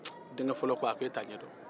cururuu denkɛfɔlɔ ko a ko e ta ɲɛdɔ